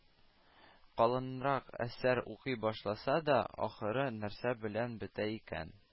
Калынрак әсәр укый башласа да, ахыры нәрсә белән бетә икән